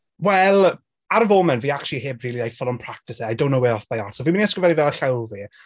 Wel, ar y foment fi acshyli heb really like full-on practice e. I don't know it off by heart. So, fi'n mynd i ysgrifennu fe ar llaw fi...